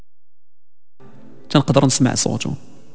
اقدر اسمع صوتك